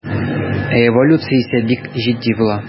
Ә эволюция исә бик җитди була.